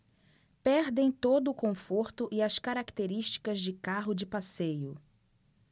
perdem todo o conforto e as características de carro de passeio